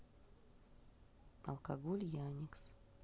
алкоголь яникс